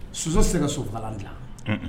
Soso se ka sokalalan dila